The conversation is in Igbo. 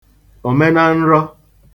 òmenanrọ